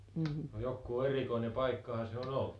no joku erikoinen paikkahan se on ollut